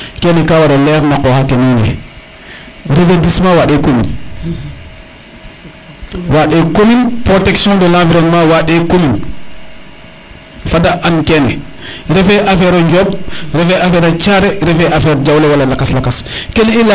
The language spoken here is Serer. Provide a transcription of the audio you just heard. kene ka waro leer na qoxa xe wiin we reverdissement wande commune wande protection de l' environnement wande commune fada an kene refe affaire o Ndiomb refe affaire a Thiare refe affaire Diawle wala lakas lakas kene ka wara leer na qoxa ke wiin we reverdissement wande commune wande commune protection de l' environnement wande commune fada an kene refe affaire o Ndiob refe a affaire a Thiare refe affaire jawle wala lakas lakas